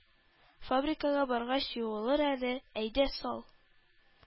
Фабрикага баргач, юылыр әле, әйдә сал!..-